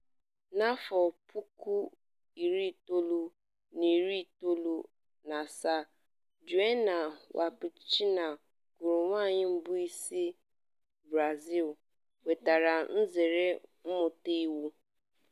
N'afọ 1997, Joenia Wapichana ghọrọ nwaanyị mbụ si Brazil nwetara nzere mmụta iwu.